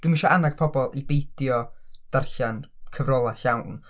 Dwi'm isho annog pobl i beidio darllen cyfrolau llawn.